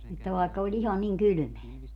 että vaikka oli ihan niin kylmää